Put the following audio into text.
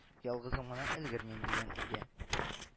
Ялгызым гына өлгермим, – дигән иде